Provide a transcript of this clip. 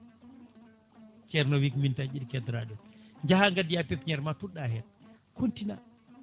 ceerno wi ko minute aji ɗiɗi keddoraɗen jaaya gaddoya pépiniére tudɗa hen contina